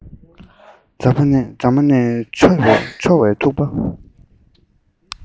རྫ མ ནས འཕྱོ བའི ཐུག པ